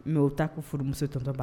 Mɛ u taa furumusotɔntɔba